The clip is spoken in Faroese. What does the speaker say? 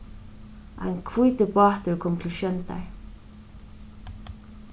ein hvítur bátur kom til sjóndar